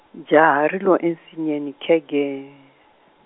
jaha ri lo ensinyeni khegee.